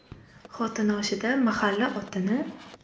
xotinoshida mahalla otini